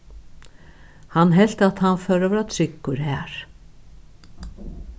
hann helt at hann fór at vera tryggur har